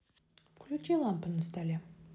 выключи лампу на столе